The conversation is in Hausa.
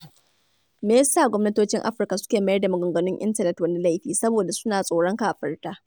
Me ya sa gwamnatocin Afirka suke mayar da maganganun intanet wani laifi? Saboda suna tsoron ƙarfinta.